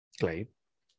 Glei.